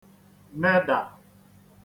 nedà